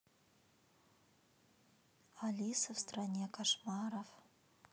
алиса в стране кошмаров